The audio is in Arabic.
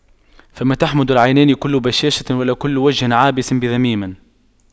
فما تحمد العينان كل بشاشة ولا كل وجه عابس بذميم